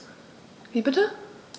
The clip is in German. Wie bitte?